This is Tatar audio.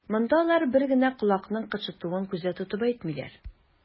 Монда алар бер генә колакның кычытуын күздә тотып әйтмиләр.